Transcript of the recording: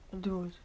Yn dy fywyd?